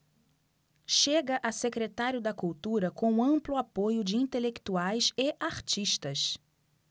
chega a secretário da cultura com amplo apoio de intelectuais e artistas